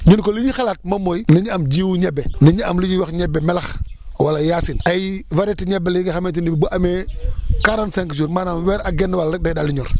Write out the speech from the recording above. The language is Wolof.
ñu ne ko li ñuy xalaat moom mooy na ñu am jiwu ñebe na ñu am li ñuy wax ñebe melax wala yasin ay variété ñebe la yi nga xamante ni bu amee quarante cinq jours maanaam weer ak genn-wàll rek day daal di ñor